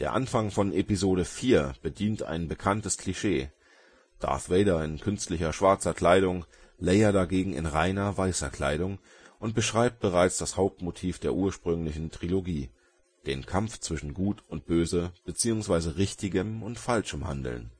Anfang von Episode IV bedient ein bekanntes Klischee – Darth Vader in künstlicher, schwarzer Kleidung, Leia Organa dagegen in reiner, weißer Kleidung und beschreibt bereits das Hauptmotiv der ursprünglichen Trilogie: den Kampf zwischen Gut und Böse, bzw. richtigem und falschem Handeln